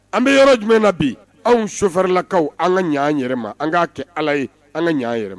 An bɛ yɔrɔ jumɛn na bi anw sofarinlakaw an ka ɲan yɛrɛma an ka kɛ ala ye an ka ɲan yɛrɛ ma